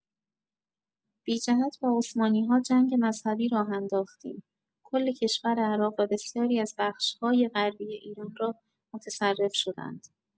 بی‌جهت با عثمانی‌ها جنگ مذهبی راه انداختیم، کل کشور عراق و بسیاری از بخش‌های غربی ایران را متصرف شدند!